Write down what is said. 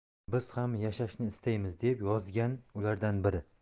biz ham yashashni istaymiz deb yozgan ulardan biri